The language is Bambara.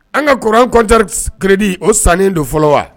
An ka kuran kɔndiriuredi o sannen don fɔlɔ wa